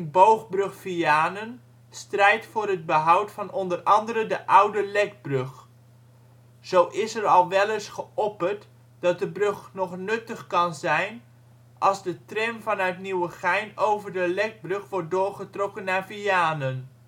Boogbrug Vianen strijdt voor het behoud van onder andere de oude Lekbrug. Zo is er al wel eens geopperd dat de brug nog nuttig kan zijn als de tram vanuit Nieuwegein over de Lekbrug wordt doorgetrokken naar Vianen